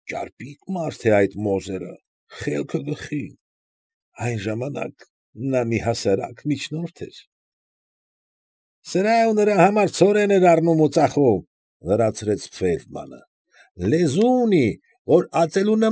Ճարպիկ մարդ է այդ Մոզերը, խելքը գլխին… Այն ժամանակ նա մի հասարակ միջնորդ էր… ֊ Սրա ու նրա համար ցորեն էր առնում ու ծախում,֊ լրացրեց Ֆեյլդմանը,֊ լեզու ունի, որ ածելու։